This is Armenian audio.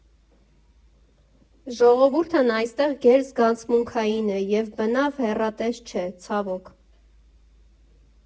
Ժողովուրդն այստեղ գերզգացմունքային է, ու բնավ հեռատես չէ, ցավոք։